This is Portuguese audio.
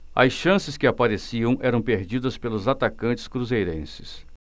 as chances que apareciam eram perdidas pelos atacantes cruzeirenses